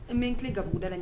N bɛ n tilen gabugu da la